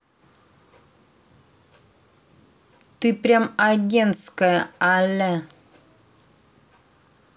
ты прям агентская алле